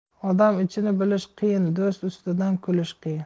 odam ichini bilish qiyin do'st ustidan kulish qiyin